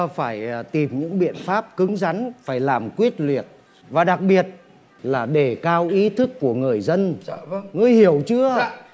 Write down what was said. phải tìm những biện pháp cứng rắn phải làm quyết liệt và đặc biệt là đề cao ý thức của người dân ngươi hiểu chưa